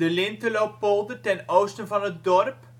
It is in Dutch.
Linteloopolder, ten oosten van het dorp